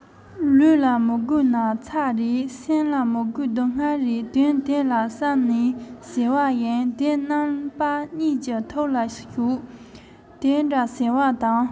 ལུས ལ མི དགོས ན ཚ རེད སེམས ལ མི དགོས སྡུག བསྔལ རེད དོན དེ ལ བསམས ནས ཟེར བ ཡིན དེ རྣམས པ གཉིས ཀྱི ཐུགས ལ ཞོགས དེ འདྲ ཟེར བ དང